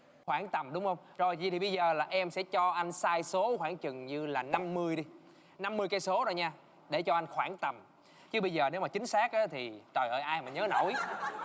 khoảng tầm đúng không rồi thì bây giờ là em sẽ cho anh sai số khoảng chừng như là năm mươi đi năm mươi cây số thôi nha để cho anh khoảng tầm chứ bây giờ nếu mà chính xác á thì trời ơi ai mà nhớ nổi